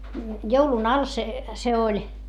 joulun alla se se oli